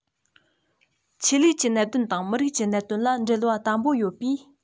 ཆོས ལུགས ཀྱི གནད དོན དང མི རིགས ཀྱི གནད དོན ལ འབྲེལ བ དམ པོ ཡོད པས